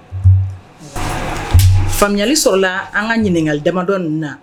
Faamuyayali sɔrɔla la an ka ɲininkakali damadɔ ninnu na